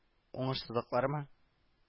Уңышсызлыклармы